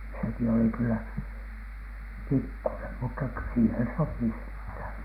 sekin oli kyllä pikkunen mutta - siihen sopi sentään